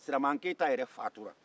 siraman keyita yɛrɛ faatura